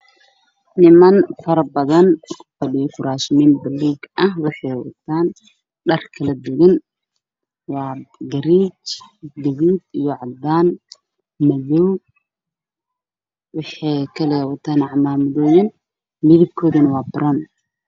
Niman fara badan kufadhiyo kuraas fara badan